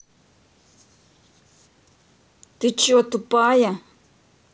ты че тупая